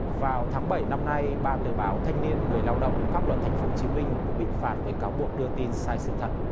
vào tháng bảy năm nay ba tờ báo thanh niên người lao động pháp luật thành phố chí minh cũng bị phạt với cáo buộc đưa tin sai sự thật